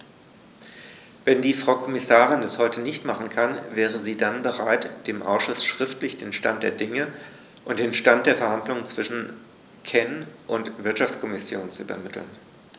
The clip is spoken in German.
Wenn die Frau Kommissarin das heute nicht machen kann, wäre sie dann bereit, dem Ausschuss schriftlich den Stand der Dinge und den Stand der Verhandlungen zwischen CEN und Wirtschaftskommission zu übermitteln?